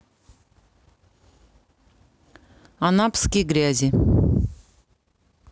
анапский грязи